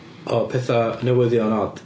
o pethau newyddion od.